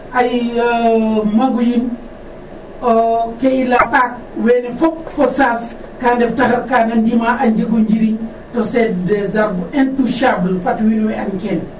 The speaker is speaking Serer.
ay mangu yiin o ke i laya ɓaak wene fop fo saas ka ndef taxar ka na ndima a njego njiriñ des arbres intouchable fat wiin we and kene .